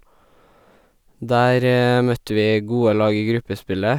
Der møtte vi gode lag i gruppespillet.